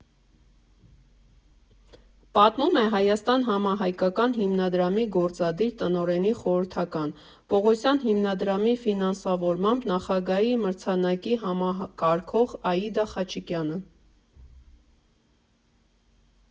Պատմում է «Հայաստան» համահայկական հիմնադրամի գործադիր տնօրենի խորհրդական, Պողոսյան հիմնադրամի ֆինանսավորմամբ Նախագահի մրցանակի համակարգող Աիդա Խաչիկյանը։